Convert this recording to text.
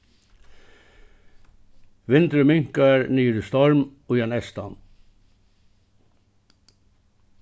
vindurin minkar niður í storm í ein eystan